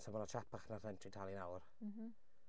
So ma' hwnna'n tsiepach 'na'r rhent dwi'n talu nawr. M-hm.